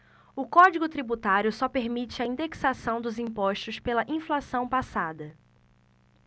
o código tributário só permite a indexação dos impostos pela inflação passada